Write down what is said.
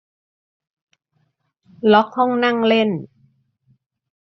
ล็อกห้องนั่งเล่น